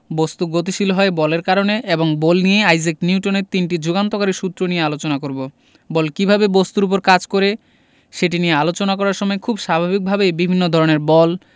বস্তু গতিশীল হয় বলের কারণে এবং বল নিয়ে আইজাক নিউটনের তিনটি যুগান্তকারী সূত্র নিয়ে আলোচনা করব বল কীভাবে বস্তুর উপর কাজ করে সেটি নিয়ে আলোচনা করার সময় খুব স্বাভাবিকভাবেই বিভিন্ন ধরনের বল